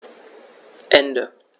Ende.